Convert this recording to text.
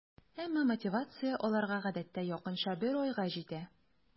Әмма мотивация аларга гадәттә якынча бер айга җитә.